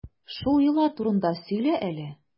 Шул йола турында сөйлә әле.